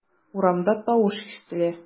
Урамда тавыш ишетелә.